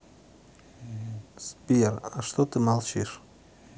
сбер а что ты молчишь